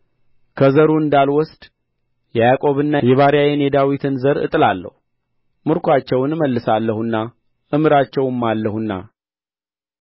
ከዘሩ እንዳልወስድ የያዕቆብንና የባሪያዬን የዳዊትን ዘር እጥላለሁ ምርኮአቸውን እመልሳለሁና እምራቸውማለሁና